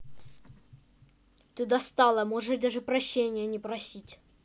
ты достала можешь даже прощения не просить